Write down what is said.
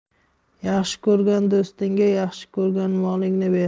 yaxshi ko'rgan do'stingga yaxshi ko'rgan molingni ber